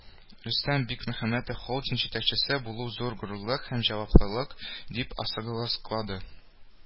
Рөстәм Бикмөхәммәтов холдинг җитәкчесе булу зур горурлык һәм җаваплылык дип ассызыклады